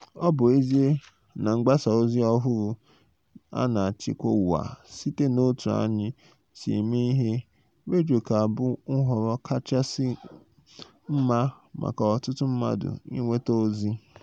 Ọ bụ ezie na mgbasa ozi ọhụrụ na-achịkwa ụwa site n'otú anyị si eme ihe, redio ka bụ nhọrọ kachasị mma maka ọtụtụ mmadụ ịnweta ozi, ọ ka bụ ngwaọrụ kachasị ike maka ndị nta akụkọ iji ruo ndị mmadụ n'ebe kachasị anya na n'ebe dịpụrụ adịpụ... ka Bishọp George Bako kwuru, n'oge okwu mmeghe ya na ogbako ụbọchị redio ụwa. Bako bụ onye bụbu onye isi oche nke Federal Radio Corporation of Nigeria (FRCN).